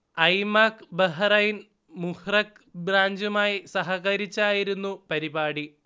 ഐമാക്ക് Bahrain Muharraq ബ്രാഞ്ചുമായി സഹകരിച്ചായിരുന്നു പരിപാടി